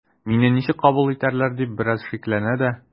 “мине ничек кабул итәрләр” дип бераз шикләнә дә.